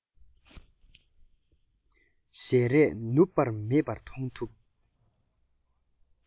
ཞལ རས ནུབ པ མེད པར མཐོང ཐུབ